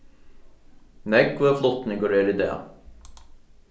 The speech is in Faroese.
nógvur flutningur er í dag